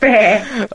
Be'?